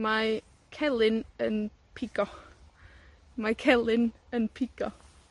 Mae celyn yn pigo. Mae celyn yn pigo.